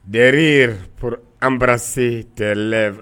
Des rires pour embrasser tes lèvres